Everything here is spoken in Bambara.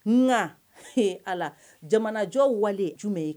Na ala jamanajɔ wale ye jumɛn ye